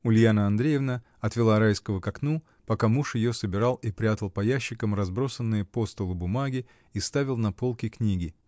Ульяна Андреевна отвела Райского к окну, пока муж ее собирал и прятал по ящикам разбросанные по столу бумаги и ставил на полки книги.